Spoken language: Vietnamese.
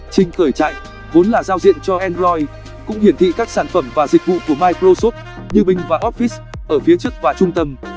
trình khởi chạy vốn là giao diện cho android cũng hiển thị các sản phẩm và dịch vụ của microsoft như bing và office ở phía trước và trung tâm